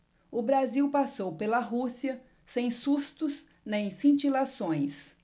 o brasil passou pela rússia sem sustos nem cintilações